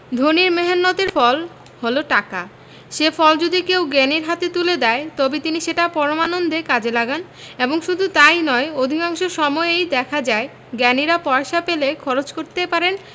ধনীর মেহনতের ফল হল টাকা সে ফল যদি কেউ জ্ঞানীর হাতে তুলে দেয় তবে তিনি সেটা পরমানন্দে কাজে লাগান এবং শুধু তাই নয় অধিকাংশ সময়েই দেখা যায় জ্ঞানীরা পয়সা পেলে খরচ করতে পারেন